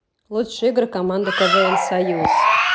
лучшие игры команды квн союз